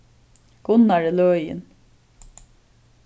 gunnar er løgin